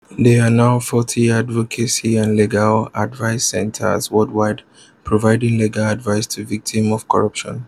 There are now 40 Advocacy and Legal Advice Centers worldwide providing legal advice to victims of corruption.